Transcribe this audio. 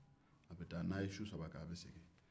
aw bɛ taa ni aw ye su saba kɛ aw bɛ segin